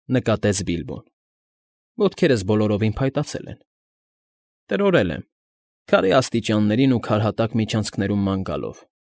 Նկատեց Բիլբոն։֊ Ոտքերս բոլորովին փայտացել են, տրորել եմ՝ քարե աստիճաններին ու քարհատակ միջանցքներում ման գալով։